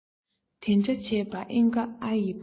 དེ འདྲ བྱས པ ཨེ དགའ ཨ ཡི བུ